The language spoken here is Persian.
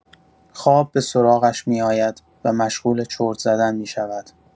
خواب به‌سراغش می‌آید و مشغول چرت‌زدن می‌شود.